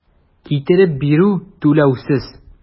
Китереп бирү - түләүсез.